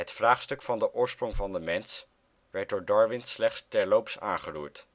vraagstuk van de oorsprong van de mens werd door Darwin slechts terloops aangeroerd